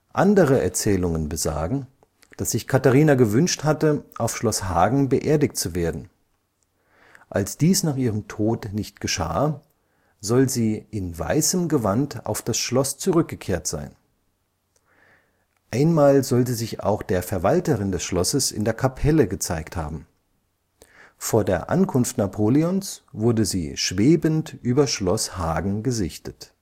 Andere Erzählungen besagen, dass sich Katharina gewünscht hatte, auf Schloss Hagen beerdigt zu werden. Als dies nach ihrem Tod nicht geschah, soll sie in weißem Gewand auf das Schloss zurückgekehrt sein. Einmal soll sie sich auch der Meierin (Verwalterin) des Schlosses in der Kapelle gezeigt haben. Vor der Ankunft Napoleons wurde sie schwebend über Schloss Hagen gesichtet